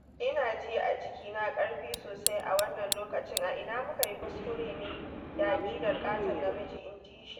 Ina ji a jikina, ƙarfi sosai, a wannan lokacin - a ina muka yi kuskure ne da aƙidar ƙaton namiji?,' inji shi.